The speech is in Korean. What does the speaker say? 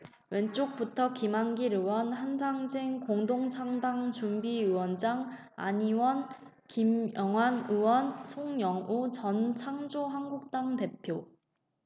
왼쪽부터 김한길 의원 한상진 공동창당준비위원장 안 의원 김영환 의원 송영오 전 창조한국당 대표